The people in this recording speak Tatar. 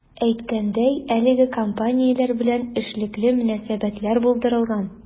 Әйткәндәй, әлеге компанияләр белән эшлекле мөнәсәбәтләр булдырылган.